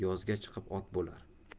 yozga chiqib ot bo'lar